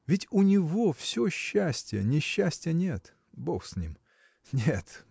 ведь у него все счастье, несчастья нет. Бог с ним! Нет!